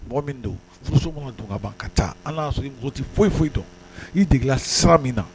Mɔgɔ min don furu ma don ka ban ka taa ala y'a sɔrɔ muso tɛ foyi foyi dɔn i degela sira min na